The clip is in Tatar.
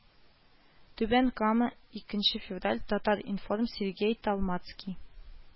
Түбән Кама, икенче февраль, Татар информ , Сергей Толмацкий